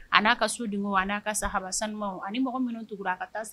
A n'a ka so dunkew a n'a ka sahaba sanumaw ani mɔgɔ minnu tugula a kɔ ka fɔ ka t'a sa.